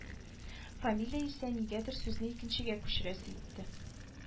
Фамилия исә нигәдер сүзне икенчегә күчерәсе итте